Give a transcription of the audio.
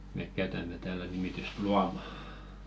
me käytämme täällä nimitystä luoma